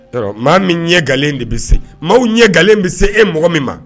Maa min ɲɛ ga de bɛ se maa ɲɛ ga bɛ se e mɔgɔ min ma